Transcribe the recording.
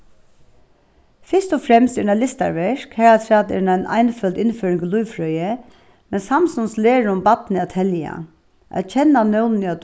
fyrst og fremst er hon eitt listaverk harafturat er hon ein einføld innføring í lívfrøði men samstundis lærir hon barnið at telja at kenna nøvnini á